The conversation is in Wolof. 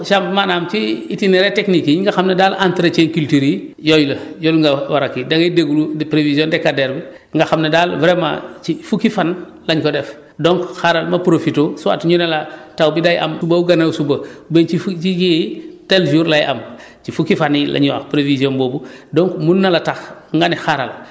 donc loolu ci les travaux sa maanaam ci itinéraire technique yi nga xam ne daal entretien culture yi yooyu la yooyu nga war a kii da ngay déglu prévision décadaire bi nga xam ne daal vraiment ci fukki fan la ñu ko def donc xaaral ma prpfité soit ñu ne la taw bi day am ba gannaaw suba ba ci fu ci tel jour lay am ci fukki fan yi la ñuy wax prévision boobu